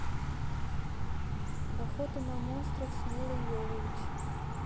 охота на монстров с милой йовович